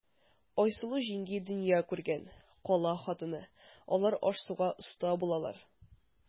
Айсылу җиңги дөнья күргән, кала хатыны, алар аш-суга оста булалар.